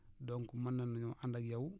donc mën nañoo ànd ak yow